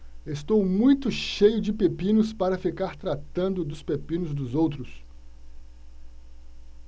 estou muito cheio de pepinos para ficar tratando dos pepinos dos outros